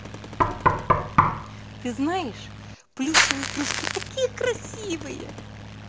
ты знаешь плюшевые игрушки такие красивые